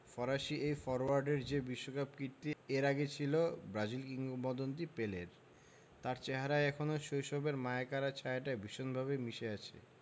ফরাসি এই ফরোয়ার্ডের যে বিশ্বকাপ কীর্তি এর আগে ছিল ব্রাজিল কিংবদন্তি পেলের তাঁর চেহারায় এখনো শৈশবের মায়াকাড়া ছায়াটা ভীষণভাবে মিশে আছে